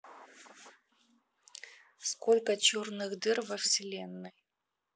сколько черных дыр во вселенной